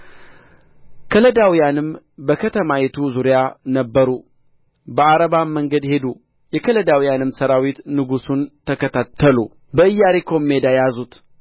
ከለዳውያንም በከተማይቱ ዙሪያ ነበሩ በዓረባም መንገድ ሄዱ የከለዳውያንም ሠራዊት ንጉሡን ተከታተሉ በኢያሪኮም ሜዳ ያዙት